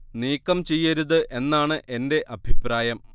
നീക്കം ചെയ്യരുത് എന്നാണ് എന്റെ അഭിപ്രായം